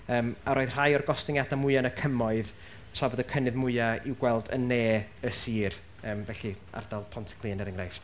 yym a roedd rhai o'r gostyngiadau mwya yn y cymoedd, tra bod y cynnydd mwyaf i'w gweld yn ne y sir, yym felly ardal Pontyclun, er enghraifft.